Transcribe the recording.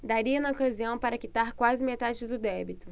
daria na ocasião para quitar quase metade do débito